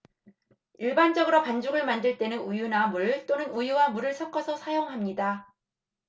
일반적으로 반죽을 만들 때는 우유나 물 또는 우유와 물을 섞어서 사용합니다